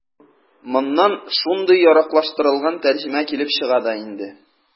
Моннан шундый яраклаштырылган тәрҗемә килеп чыга да инде.